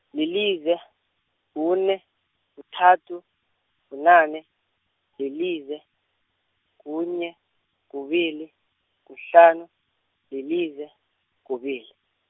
lilize, kune, kuthathu, bunane, lilize, kunye, kubili, kuhlanu, lilize, kubili.